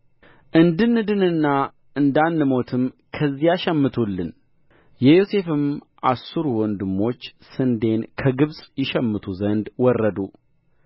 እንድንድንና እንዳንሞትም ከዚያ ሸምቱልን የዮሴፍም አሥሩ ወንድሞቹ ስንዴን ከግብፅ ይሸምቱ ዘንድ ወረዱ